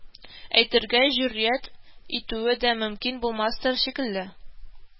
Әйтергә җөрьәт итүе дә мөмкин булмастыр шикелле